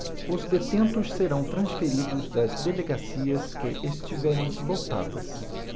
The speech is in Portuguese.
os detentos serão transferidos das delegacias que estiverem lotadas